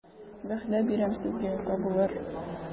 Вәгъдә бирәм сезгә, табылыр...